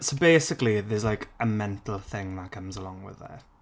So basically there's like a mental thing that comes along with it.